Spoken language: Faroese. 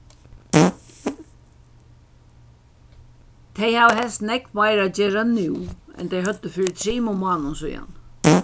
tey hava helst nógv meira at gera nú enn tey høvdu fyri trimum mánaðum síðani